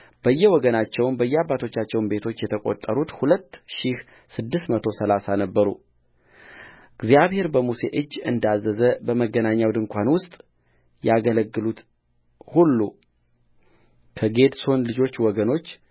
በየወገናቸውም በየአባቶቻቸውም ቤቶች የተቈጠሩት ሁለት ሺህ ስድስት መቶ ሠላሳ ነበሩእግዚአብሔር በሙሴ እጅ እንዳዘዘ በመገናኛው ድንኳን ውስጥ ያገለገሉት ሁሉ ከጌድሶን ልጆች ወገኖች